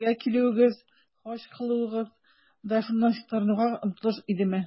Сезнең дингә килүегез, хаҗ кылуыгыз да шуннан чистарынуга омтылыш идеме?